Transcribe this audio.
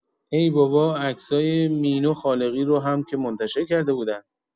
ای بابا عکسای مینو خالقی رو هم که منتشر کرده بودن.